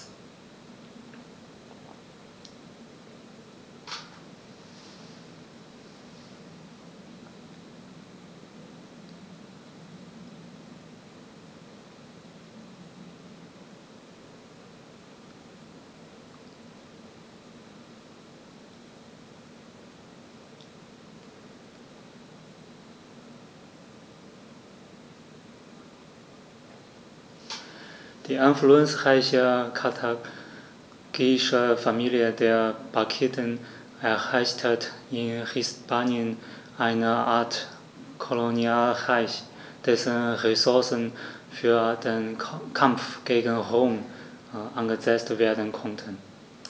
Die einflussreiche karthagische Familie der Barkiden errichtete in Hispanien eine Art Kolonialreich, dessen Ressourcen für den Kampf gegen Rom eingesetzt werden konnten.